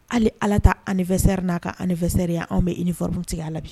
Hali ala ta anniversaire n'a ka anniversaire ya anw be uniforme tigɛ a la bi